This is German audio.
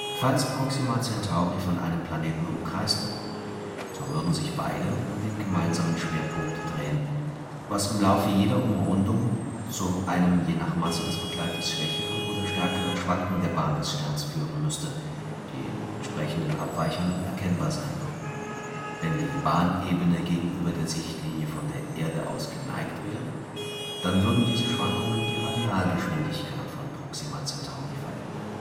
Falls Proxima Centauri von einem Planeten umkreist wird, so würden sich beide um den gemeinsamen Schwerpunkt drehen, was im Laufe jeder Umrundung zu einem je nach Masse des Begleiters schwächeren oder stärkeren Schwanken der Bahn des Sterns führen müsste, die in entsprechenden Abweichungen erkennbar sein würden. Wenn die Bahnebene gegenüber der Sichtlinie von der Erde aus geneigt wäre, dann würden diese Schwankungen die Radialgeschwindigkeit von Proxima Centauri verändern